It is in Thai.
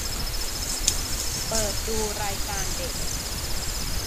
เปิดดูรายการเด็ก